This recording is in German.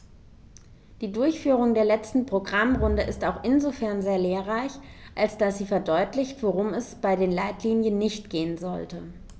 Die Durchführung der letzten Programmrunde ist auch insofern sehr lehrreich, als dass sie verdeutlicht, worum es bei den Leitlinien nicht gehen sollte.